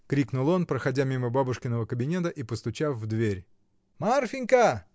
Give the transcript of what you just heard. — крикнул он, проходя мимо бабушкиного кабинета и постучав в дверь. — Марфинька!